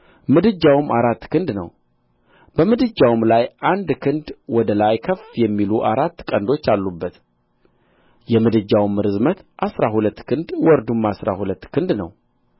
ምድጃውም አራት ክንድ ነው በምድጃውም ላይ አንድ ክንድ ወደ ላይ ከፍ የሚሉ አራት ቀንዶች አሉበት የምድጃውም ርዝመት አሥራ ሁለት ክንድ ወርዱም አሥራ ሁለት ክንድ ነው